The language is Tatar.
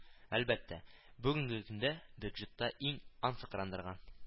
Әлбәттә, бүгенге көндә бюджетта иң ан сыкрандырган